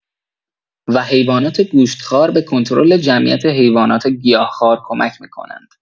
و حیوانات گوشتخوار به کنترل جمعیت حیوانات گیاهخوار کمک می‌کنن.